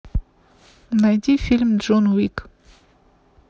найди фильм джон уик